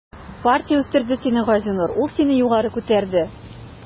Партия үстерде сине, Газинур, ул сине югары күтәрде.